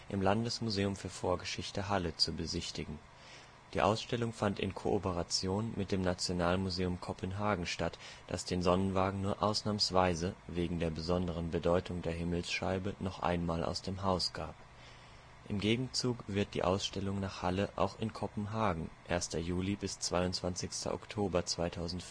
im Landesmuseum für Vorgeschichte Halle zu besichtigen. Die Ausstellung fand in Kooperation mit dem Nationalmuseum Kopenhagen statt, das den Sonnenwagen nur ausnahmsweise – wegen der besonderen Bedeutung der Himmelsscheibe – noch einmal aus dem Haus gab. Im Gegenzug wird die Ausstellung nach Halle auch in Kopenhagen (1. Juli bis 22. Oktober 2005